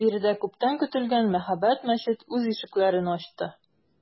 Биредә күптән көтелгән мәһабәт мәчет үз ишекләрен ачты.